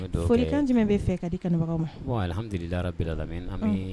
Ɔri kan jum bɛ fɛ dibaga madu